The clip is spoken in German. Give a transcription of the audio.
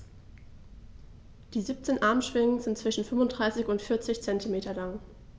Die 17 Armschwingen sind zwischen 35 und 40 cm lang.